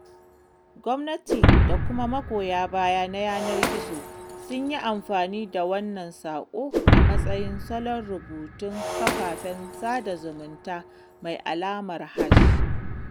Gwamnati da kuma magoya baya na yanar gizo sun ta yin amfani da wannan saƙo a matsayin salon rubutun kafafen sada zumunta mai alamar hash.